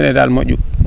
mene daal moƴu